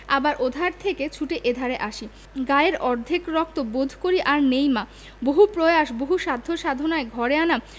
আবার ওধার থেকে ছুটে এধারে আসি গায়ের অর্ধেক রক্ত বোধ করি আর নেই মা বহু প্রয়াস বহু সাধ্য সাধনায় ঘরে আনা